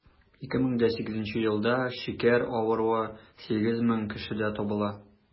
2008 елда шикәр авыруы 8 мең кешедә табыла.